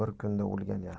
bir kunda o'lgan yaxshi